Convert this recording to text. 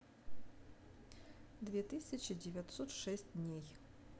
две тысячи девятьсот шесть дней